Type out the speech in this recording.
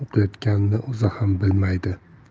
nima o'qiyotganini o'zi ham bilmaydi